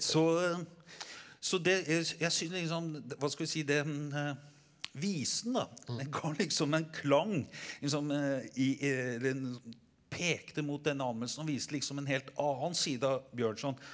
så så det jeg jeg syns liksom hva skal vi si den visen da den ga liksom en klang liksom i eller pekte mot denne anmeldelsen og viste liksom en helt annen side av Bjørnson.